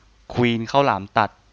ควีนข้าวหลามตัด